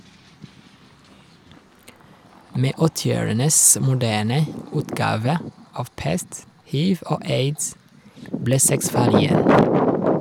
Med åttiårenes moderne utgave av pest, hiv og aids, ble sex farlig igjen.